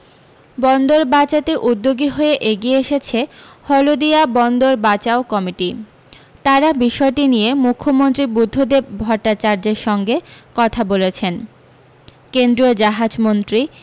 বন্দর বাঁচাতে উদ্যোগী হয়ে এগিয়ে এসেছে হলদিয়া বন্দর বাঁচাও কমিটি তাঁরা বিষয়টি নিয়ে মুখ্যমন্ত্রী বুদ্ধদেব ভট্টাচার্যের সঙ্গে কথা বলেছেন কেন্দ্রীয় জাহাজমন্ত্রী